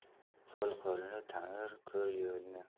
qo'l qo'lni tanir ko'r yo'lni